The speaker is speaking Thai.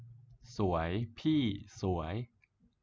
สวยพี่สวย